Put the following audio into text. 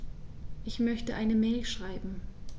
Ich möchte eine Mail schreiben.